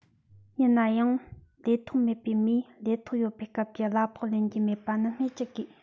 ཡིན ན ཡང ལས ཐོག མེད པའི མིས ལས ཐོག ཡོད པའི སྐབས ཀྱི གླ ཕོགས ལེན རྒྱུ མེད པ ནི སྨོས ཅི དགོས